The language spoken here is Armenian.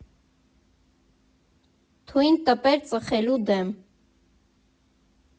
Թույն տպեր ծխելու դեմ.